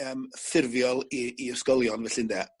yym ffurfiol i i'r sgolion felly ynde?